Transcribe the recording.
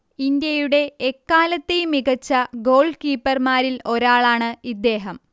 ഇന്ത്യയുടെ എക്കാലത്തെയും മികച്ച ഗോൾ കീപ്പർമാരിൽ ഒരാളാണ് ഇദ്ദേഹം